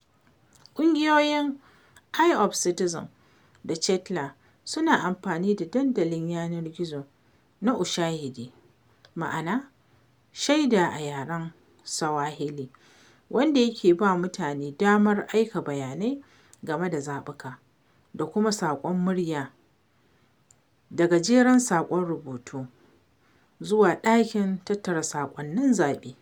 Ƙungiyoyin Eye of the Citizen da Txeka-lá suna amfani da dandalin yanar gizo na Ushahidi (ma’ana “shaida” a yaren Swahili), wanda yake ba mutane damar aika bayanai game da zaɓuka, da kuma saƙon murya da gajeren saƙon rubutu, zuwa “ɗakin tattara sakamakon zaɓe.”